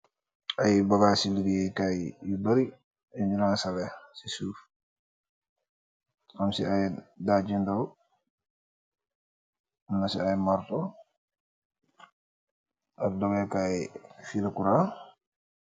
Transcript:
Bagasou legeyou kay you bari younou razele si souf amsi ay daje you diaw amnasi ay marto am dogekay filou kouran